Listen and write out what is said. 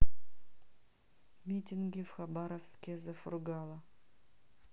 митинги в хабаровске за фургала